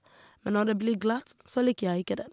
Men når det blir glatt, så liker jeg ikke den.